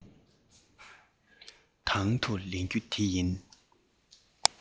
དང དུ ལེན རྒྱུ དེ ཡིན